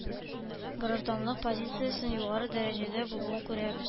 Гражданлык позициясенең югары дәрәҗәдә булуын күрәбез